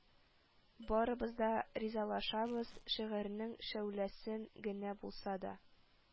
Барыбыз да ризалашабыз, шигырьнең шәүләсен генә булса да,